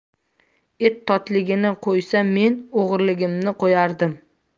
et totligini qo'ysa men o'g'riligimni qo'yardim